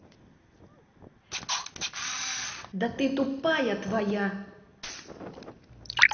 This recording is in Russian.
да ты тупая твоя